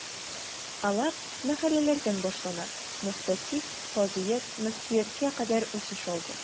Алар мәхәлләләрдән башлана, мөхтәсиб, казыят, мөфтияткә кадәр үсеш алды.